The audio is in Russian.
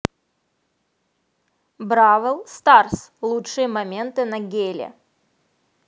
бравл старс лучшие моменты на гейле